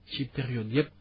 ci période yépp